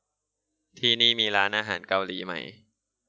ที่นี่มีร้านอาหารเกาหลีไหม